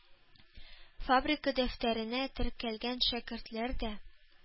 Фабрика дәфтәренә теркәлгән шәкертләр дә